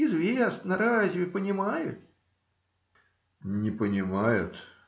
Известно, разве понимают? - Не понимают?